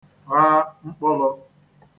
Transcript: gha mkpụ̄lụ̄